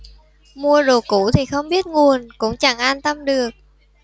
mua đồ cũ thì không biết nguồn cũng chẳng an tâm được